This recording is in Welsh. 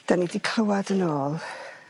'Dyn ni 'di clywad yn ôl